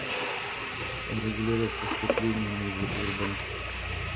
регулировка сцепления нива урбан